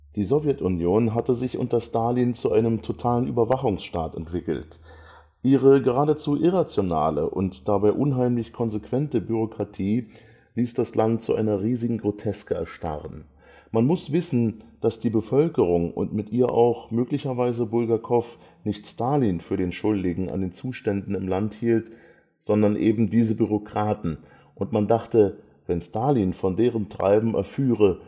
Die Sowjetunion hatte sich unter Stalin zu einem totalen Überwachungsstaat entwickelt. Ihre geradezu irrationale und dabei unheimlich konsequente Bürokratie ließ das Land zu einer riesigen Groteske erstarren. Man muss wissen, dass die Bevölkerung und mit ihr auch möglicherweise Bulgakow nicht Stalin für den Schuldigen an den Zuständen im Lande hielt, sondern eben diese Bürokraten, und man dachte: „ Wenn Stalin von deren Treiben erführe, würde